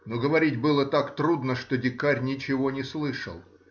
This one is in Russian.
Но говорить было так трудно, что дикарь ничего не слышал.